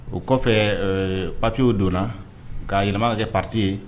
O kɔfɛ ee papier donna ka yɛlɛma ka kɛ partie ye.